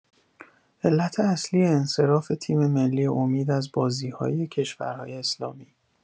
علت اصلی انصراف تیم‌ملی امید از بازی‌های کشورهای اسلامی